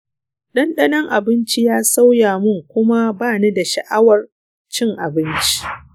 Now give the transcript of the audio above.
ɗanɗanon abinci ya sauya mun kuma ba ni da sha'awar cin abinci.